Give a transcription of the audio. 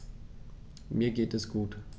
Mir geht es gut.